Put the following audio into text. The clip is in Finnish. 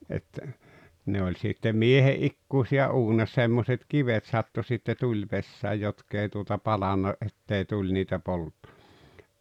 että ne oli sitten miehen ikuisia - jos semmoiset kivet sattui sitten tulipesään jotka ei tuota palanut että ei tuli niitä polta